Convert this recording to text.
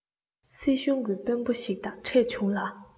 སྲིད གཞུང གི དཔོན པོ ཞིག དང འཕྲད བྱུང ལ